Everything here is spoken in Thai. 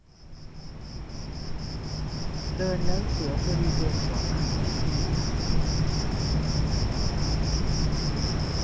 เดินแล้วเสียวบริเวณหัวเข่าคืออะไร